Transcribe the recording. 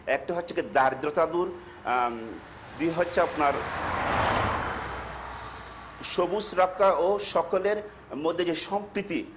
একটা হচ্ছে গিয়ে দারিদ্রতা দূর দুই হচ্ছে আপনার সবুজ রক্ষা ও সকলের মধ্যে যে সম্প্রীতি